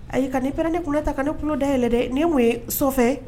Ayi ka nin pɛ ne tulo ta ka ne tulo day yɛlɛ dɛ ni ye sofɛ